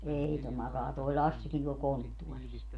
ei tuo makaa tuo Lassikin tuolla konttorissa